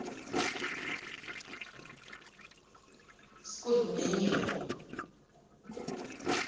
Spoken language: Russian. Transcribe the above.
сколько у меня небыло